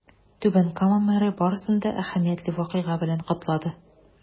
Түбән Кама мэры барысын да әһәмиятле вакыйга белән котлады.